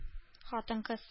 Хатын-кыз